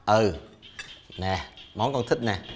ừ nè món con thích nè